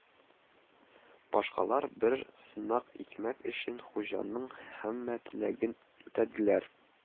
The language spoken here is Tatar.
Башкалар бер сынык икмәк өчен хуҗаның һәммә теләген үтәделәр